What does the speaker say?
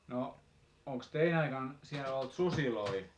no onkos teidän aikana siellä ollut susia